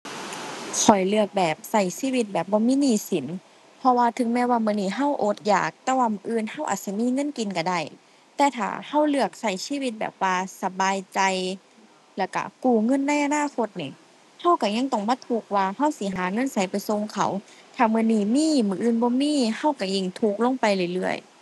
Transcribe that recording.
ข้อยเลือกแบบใช้ชีวิตแบบบ่มีหนี้สิน เพราะว่าถึงแม้ว่ามื้อนี้ใช้อดอยาก แต่ว่ามื้ออื่นใช้อาจสิมีเงินกินใช้ได้ แต่ถ้าใช้เลือกใช้ชีวิตแบบว่าสบายใจ แล้วใช้กู้เงินในอนาคตหนิ ใช้ใช้ยังต้องมาทุกข์ว่า ใช้สิหาเงินไสไปส่งเขา ถ้ามื้อนี้มี มื้ออื่นบ่มี ใช้ใช้ยิ่งทุกข์ลงไปเรื่อยเรื่อย